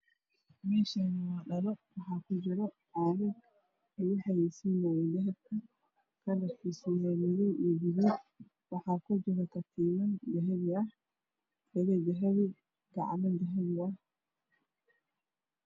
Meeshaan waa dhalo waxaa kujiro caagag lugu xayeysiinaayo dahabka kalarkiisu waa madow iyo gaduud waxaa kujiro katiiman dhago dahabi ah iyo gacmo dahabi ah.